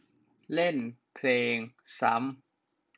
เล่นเพลงซ้ำ